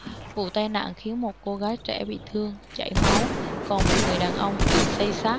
vụ tai nạn khiến một cô gái trẻ bị thương chảy máu còn một người đàn ông bị xây xát